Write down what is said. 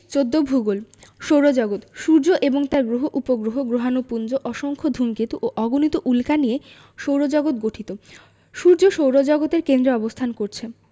১৪ ভূগোল সৌরজগৎ সূর্য এবং তার গ্রহ উপগ্রহ গ্রহাণুপুঞ্জ অসংখ্য ধুমকেতু ও অগণিত উল্কা নিয়ে সৌরজগৎ গঠিত সূর্য সৌরজগতের কেন্দ্রে অবস্থান করছে